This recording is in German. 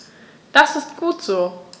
Das ist gut so.